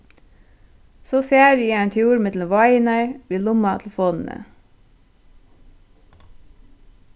so fari eg ein túr millum vágirnar við lummatelefonini